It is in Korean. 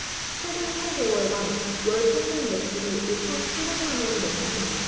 최근 세 개월간 월 평균 매출이 오 천 칠 백만 원이 넘습니다